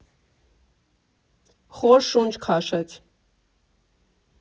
Խոր շունչ քաշեց։